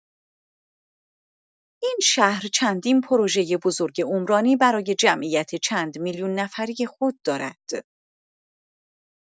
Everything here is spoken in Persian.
این شهر چندین پروژه بزرگ عمرانی برای جمعیت چند میلیون‌نفری خود دارد.